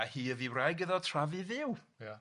A hi a fu wraig iddo tra fu fyw. Ia.